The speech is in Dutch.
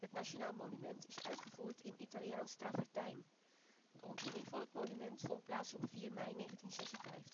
Nationaal Monument is uitgevoerd in Italiaans travertijn. De onthulling van het monument vond plaats op 4 mei 1956. In 1965 en 1998